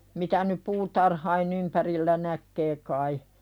mitä nyt puutarhojen ympärillä näkee kai